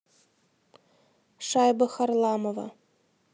шайба харламова